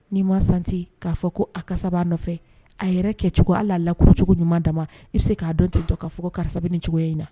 Ni ma santi ka fɔ ko a kasa ba nɔfɛ a yɛrɛ kɛcogo hala lakuru cogo ɲuman dama i be se ka dɔn ten tɔ ka fɔ ko karisa bi ni cogoya in na.